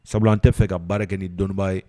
Sabula an tɛ fɛ ka baara kɛ ni dɔnnibaa ye